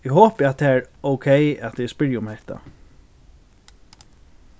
eg hopi at tað er ókey at eg spyrji um hetta